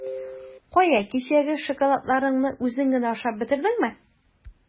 Кая, кичәге шоколадларыңны үзең генә ашап бетердеңме?